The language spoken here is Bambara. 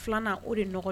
Filanan o de ɲɔgɔn